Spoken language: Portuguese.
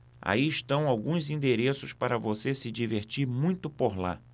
aí estão alguns endereços para você se divertir muito por lá